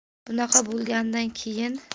bunaqa bo'lganidan keyin